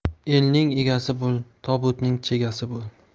elning egasi bo'l tobutning chegasi bo'l